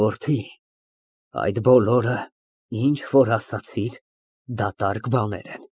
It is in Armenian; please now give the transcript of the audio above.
Որդի, այդ բոլորը, ինչ որ ասացիր, դատարկ բաներ են։